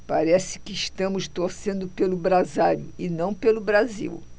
parece que estamos torcendo pelo brasário e não pelo brasil